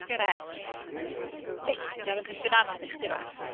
Grêt. Reit dwi'n mynd i ofyn cwestiwn anodd i chdi rŵan.